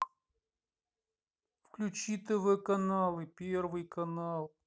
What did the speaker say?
включи тв каналы первый канал